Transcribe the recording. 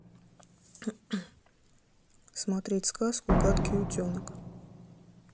смотреть сказку гадкий утенок